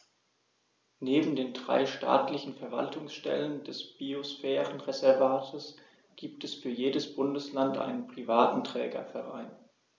Neben den drei staatlichen Verwaltungsstellen des Biosphärenreservates gibt es für jedes Bundesland einen privaten Trägerverein.